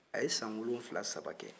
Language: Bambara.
a ye san wolonfila saba kɛ